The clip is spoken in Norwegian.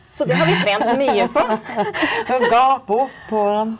han gaper opp og han.